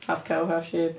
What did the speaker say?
Half cow, half sheep.